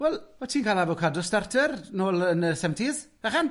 Wel, o' ti'n cael avocado starter nôl yn y seventies, fachan?